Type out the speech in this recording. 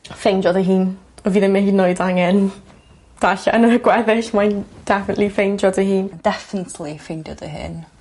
Ffeindio fy hun. Fi ddim yn hud yn oed angen gall... yn yr gweddill mae'n definitely ffeindio dy hun. Definitly ffeindio dy hun.